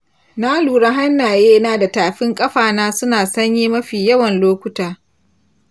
na lura hannaye na da tafin ƙafa na suna sanyi mafi yawan lokuta